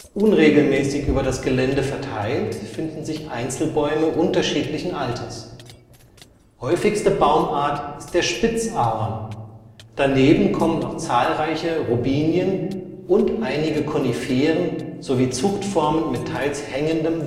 Unregelmäßig über das Gelände verteilt finden sich Einzelbäume unterschiedlichen Alters. Häufigste Baumart ist der Spitz-Ahorn, daneben kommen auch zahlreiche Robinien und einige Koniferen sowie Zuchtformen mit teils hängendem